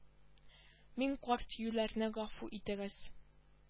Мин карт юләрне гафу итегез